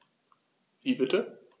Wie bitte?